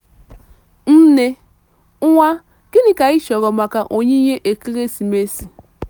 Nne: Nwa, gịnị ka ị chọrọ maka onyinye ekeresimesi?